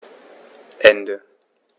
Ende.